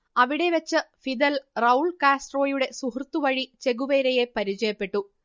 അവിടെ വെച്ച് Fidel Raul കാസ്ട്രോയുടെ സുഹൃത്തു വഴി ചെഗുവേരയെ പരിചയപ്പെട്ടു